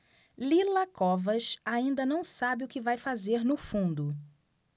lila covas ainda não sabe o que vai fazer no fundo